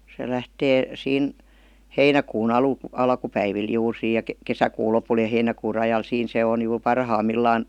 se lähtee siinä heinäkuun - alkupäivillä juuri siinä ja kesäkuun lopulla ja heinäkuun rajalla siinä se on juuri parhaimmillaan